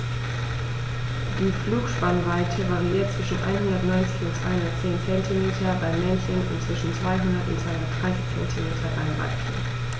Die Flügelspannweite variiert zwischen 190 und 210 cm beim Männchen und zwischen 200 und 230 cm beim Weibchen.